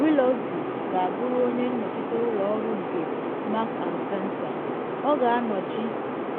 Willoughby ga-abụrụ onye nnọchite ụlọ ọrụ nke M&S, ọ ga-anọchi